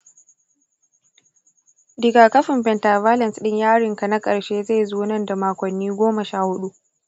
rigakafin pentavalent din yarin ka na karshe zai zo nan da makonni goma sha hudu